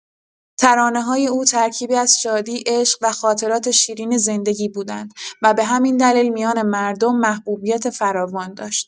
ترانه‌های او ترکیبی از شادی، عشق و خاطرات شیرین زندگی بودند و به همین دلیل میان مردم محبوبیت فراوان داشت.